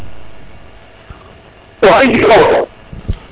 *